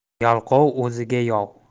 yalqov o'ziga yov